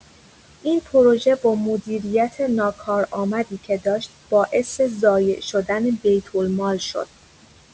این پروژه با مدیریت ناکارآمدی که داشت، باعث ضایع شدن بیت‌المال شد.